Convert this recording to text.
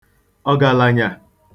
ògàlànyà